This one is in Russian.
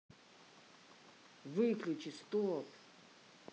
выключи стоп